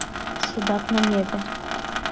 судак на неве